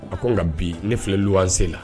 A ko nka bi ne filɛ lu an sen la